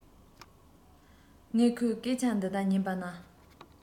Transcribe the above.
ངས ཁོའི སྐད ཆ འདི དག ཉན པ ནས